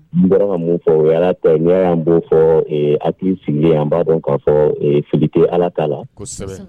N bɔra ka mun fɔ o' ta n y''o fɔ a sigi an b'a dɔn k ka fɔ filite ala t'a la